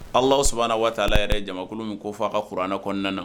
Ala sabanan waati ala yɛrɛjamankolon min ko fɔ' ka kuranɛ kɔnɔna na